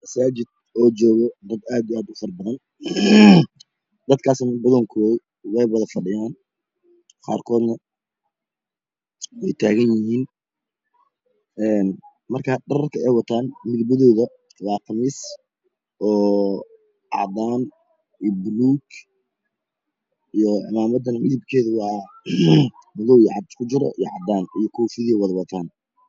Misaajid ay joogan dad aad iyo aad utirabadan dadkaasna badankood way qada fa dhiyaan qaarkoodna way taganyihiin dharka ay wataan midabadooda waa qamiis oo cadaan iyo buluug cimaamadana midabkeeda waa madow iyo cadaan iskujiro iyo koofiyey wada wataan